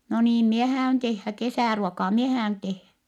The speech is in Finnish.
no niin minä häädyn tehdä kesäruokaa minä häädyn tehdä